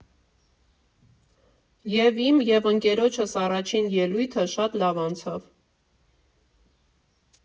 Եվ իմ, և ընկերոջս առաջին ելույթը շատ լավ անցավ։